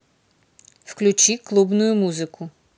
включи клубную музыку